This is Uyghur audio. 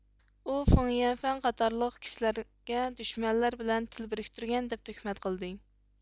ئۇ قېڭيەنفەن قاتارلىق كىشلەرگە دۈشمەنلەر بىلەن تىل بىرىكتۈرگەن دەپ تۆھمەت قىلدى